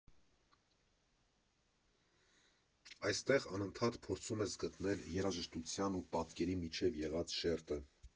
Այստեղ անընդհատ փորձում ես գտնել երաժշտության ու պատկերի միջև եղած շերտը։